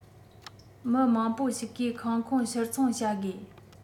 མི མང པོ ཞིག གིས ཁང ཁོངས ཕྱིར འཚོང བྱ དགོས